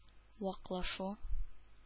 Ваклашу